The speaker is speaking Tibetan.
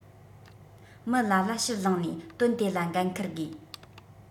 མི ལ ལ ཕྱིར ལང ནས དོན དེ ལ འགན འཁུར དགོས